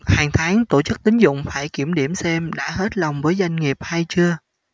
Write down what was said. hàng tháng tổ chức tín dụng phải kiểm điểm xem đã hết long với doanh nghiệp hay chưa